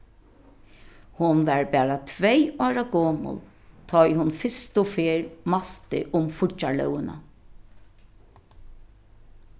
hon var bara tvey ára gomul tá ið hon fyrstu ferð mælti um fíggjarlógina